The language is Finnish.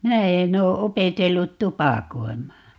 minä en ole opetellut tupakoimaan